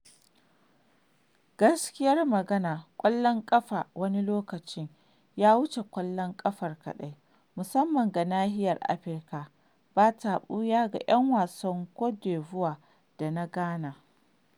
Gaskiyar magana ƙwallon ƙafa wani lokaci “ya wuce ƙwallon ƙafa kaɗai” musamman ga Nahiyar Afirka, ba ta ɓuya ga ‘yan wasan Côte d’Ivoire da na Ghana.